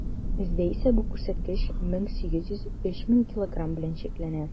Бездә исә бу күрсәткеч 1800 - 3000 килограмм белән чикләнә.